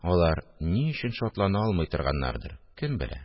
Алар ни өчен шатлана алмый торганнардыр, кем белә